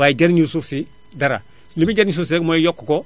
waaye jariñul suuf si dara li muy jariñ suuf si rekk mooy yokk ko